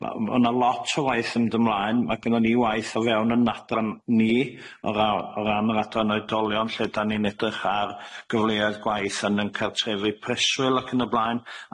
Ma' o' ma' o' na lot o waith yn dy mlaen ma' gynnon ni waith o fewn yn adran ni o ra- o ran yr adran oedolion lle dan ni'n edrych ar gyfleoedd gwaith yn ym cartrefi preswyl ac yn y blaen,